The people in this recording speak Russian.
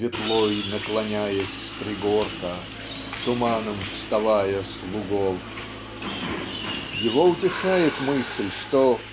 Ветлой наклоняясь с пригорка Туманом вставая с лугов. Его утешает мысль что